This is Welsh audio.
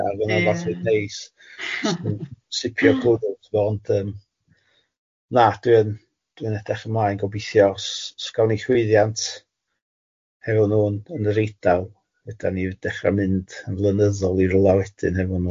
...a oedd... Ia. ...hwnna'n fath reit neis jyst yn sipio fo ond yym na dwi'n dwi'n edrych ymlaen gobithio os os gawn ni llwyddiant hefo nhw yn yn yr Eidal fedra ni dechrau mynd yn flynyddol i rywle wedyn hefo nhw